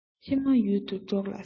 ཕྱི མའི ཡུལ དུ གྲོགས ལ བསྲིངས སོ